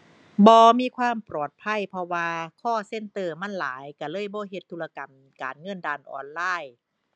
บ่มีความปลอดภัย เพราะว่า call center มันหลาย ก็เลยบ่เฮ็ดธุรกรรมการเงินด้านออนไลน์